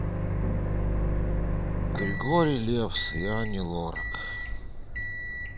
григорий лепс и ани лорак